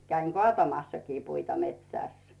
kävin kaatamassakin puita metsässä